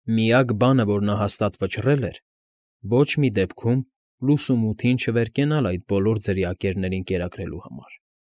Միակ բանը, որ նա հաստատ վճռել էր՝ ոչ մի դեպքում լուսումութին չվերկենալ այդ բոլոր ձրիակերներին կերակրելու համար։